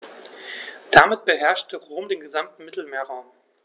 Damit beherrschte Rom den gesamten Mittelmeerraum.